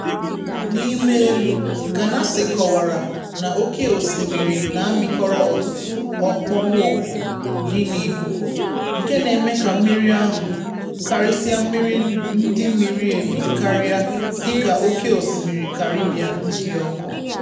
Na imeelụ, Ganase kọwara na oke osimiri na-amịkọrọ ọtụtụ okpomọọkụ dị n'ikuku, nke na-eme ka mmiri ahụ - karịsịa mmiri ndị miri emi karịa, dịka Oké Osimiri Caribbean - dị ọkụ.